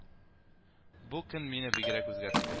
Бу көн мине бигрәк үзгәртте